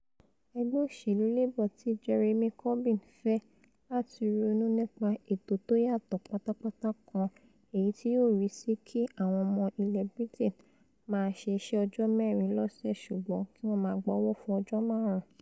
Ẹgbẹ́ òṣèlú Labour ti Jeremy Corbyn fẹ́ lati ronú nípa ètò tóyàtọ̀ pátápátá kan èyití yóò rísì kí àwọn ọmọ ilẹ̀ Britain máaṣe iṣẹ́ ọjọ́ mẹ́rin lọ́sẹ̵̀ - ṣùgbọn kí wọ́n gba owó fún ọjọ́ máàrún.